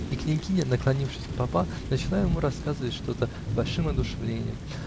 И княгиня, наклонившись к папа, начала ему рассказывать что-то с большим одушевлением.